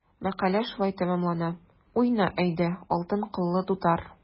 Мәкалә шулай тәмамлана: “Уйна, әйдә, алтын кыллы дутар!"